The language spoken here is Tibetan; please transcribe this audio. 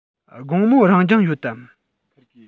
དགོང མོ རང སྦྱོང ཡོད དམ